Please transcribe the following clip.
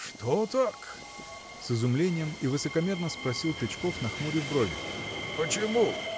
— Что так, — с изумлением и высокомерно спросил Тычков, нахмурив брови. — Почему?